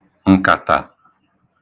ǹkàtà